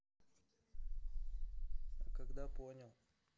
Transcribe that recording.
а когда понял